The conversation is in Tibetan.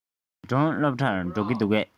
ཉི སྒྲོན སློབ གྲྭར འགྲོ གི འདུག གས